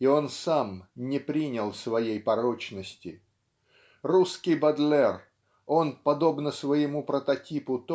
и он сам не принял своей порочности. Русский Бодлер он подобно своему прототипу